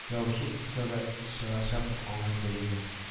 Ябышып булса да чыгачак аңа Сәлимә